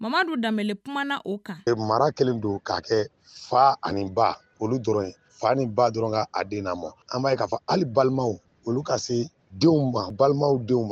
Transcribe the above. Mamamadu danbeele kumaumana o kan mara kɛlen don k'a kɛ fa ani ba olu dɔrɔn fa ni ba dɔrɔn'a den' ma an b' ye k'a fɔ ali balimaw olu ka se denw ma balimaw denw ma